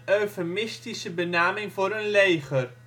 eufemistische benaming voor een leger